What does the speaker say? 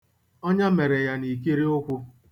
Ọnya mere ya n'ikiriụkwụ.